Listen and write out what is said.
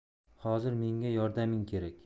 hozir menga yordaming kerak